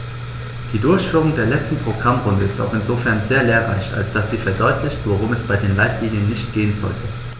Die Durchführung der letzten Programmrunde ist auch insofern sehr lehrreich, als dass sie verdeutlicht, worum es bei den Leitlinien nicht gehen sollte.